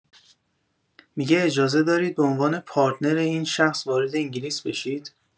می‌گه اجازه دارید به عنوان پارتنر این شخص وارد انگلیس بشید؟